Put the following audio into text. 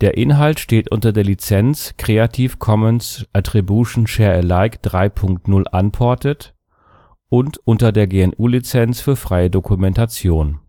Inhalt steht unter der Lizenz Creative Commons Attribution Share Alike 3 Punkt 0 Unported und unter der GNU Lizenz für freie Dokumentation